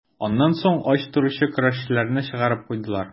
Аннан соң ач торучы көрәшчеләрне чыгарып куйдылар.